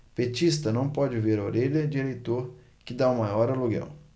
petista não pode ver orelha de eleitor que tá o maior aluguel